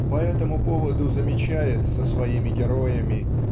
и по этому повод) замечает со своими героями